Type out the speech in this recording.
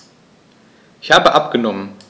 Ich habe abgenommen.